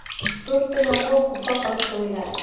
to'rtta yong'oq qubba qilib qo'yiladi